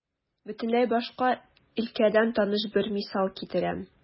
Бөтенләй башка өлкәдән таныш бер мисал китерәм.